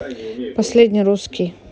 последний русский